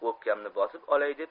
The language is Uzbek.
o'pkamni bosib olay deb